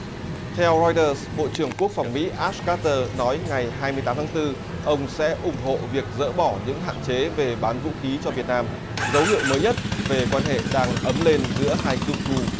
theo roi tờ bộ trưởng quốc phòng mỹ át cát tơ nói ngày hai mươi tám tháng tư ông sẽ ủng hộ việc dỡ bỏ những hạn chế về bán vũ khí cho việt nam dấu hiệu mới nhất về quan hệ đang ấm lên giữa hai cựu thù